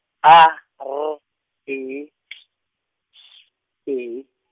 A R E T Š E.